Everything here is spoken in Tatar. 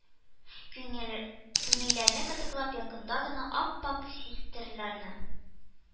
Күңелләрне кытыклап якында гына ап-ак цистерналар